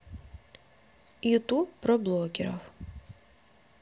ютуб про блогеров